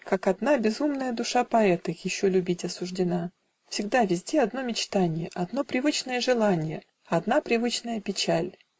как одна Безумная душа поэта Еще любить осуждена: Всегда, везде одно мечтанье, Одно привычное желанье, Одна привычная печаль.